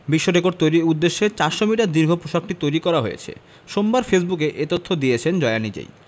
বিশ্বরেকর্ড তৈরির উদ্দেশ্যে ৪০০ মিটার দীর্ঘ পোশাকটি তৈরি করা হয়েছে সোমবার ফেসবুকে এ তথ্য দিয়েছেন জয়া নিজেই